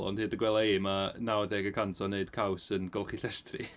Ond hyd y gwela i ma' nawdeg y cant o wneud caws yn golchi llestri !